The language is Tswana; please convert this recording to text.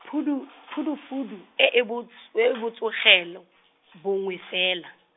phudu-, phudufudu, e e bots-, e e botsogelo, bongwe fela.